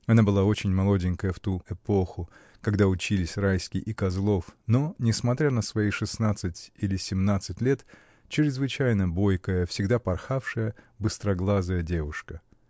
Она была очень молоденькая в ту эпоху, когда учились Райский и Козлов, но, несмотря на свои шестнадцать или семнадцать лет, чрезвычайно бойкая, всегда порхавшая, быстроглазая девушка.